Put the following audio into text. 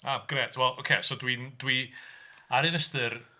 A grêt, wel, ocê so dwi'n... dwi ar un ystyr...